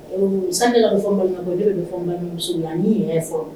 Euh sani ne ka dɔ fɔ Mali ma fɔlɔ ne be dɔ fɔ nbalimamusow ye an'i yɛrɛ fɔlɔ